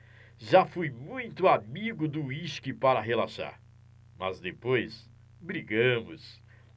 já fui muito amigo do uísque para relaxar mas depois brigamos